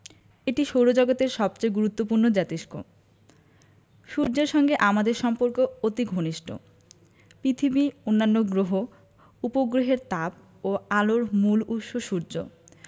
এটি সৌরজগতের সবচেয়ে গুরুত্বপূর্ণ জোতিষ্ক সূর্যের সঙ্গে আমাদের সম্পর্ক অতি ঘনিষ্ট পিথিবী অন্যান্য গ্রহ উপগ্রহের তাপ ও আলোর মূল উৎস সূর্য